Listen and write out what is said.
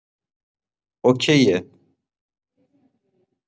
اوکیه